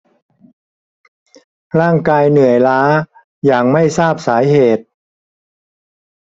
ร่างกายเหนื่อยล้าอย่างไม่ทราบสาเหตุ